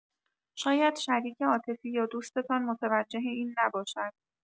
شاید شریک عاطفی یا دوستتان متوجه این نباشد.